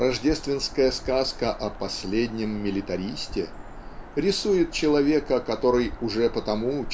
Рождественская сказка о "последнем милитаристе" рисует человека который уже потому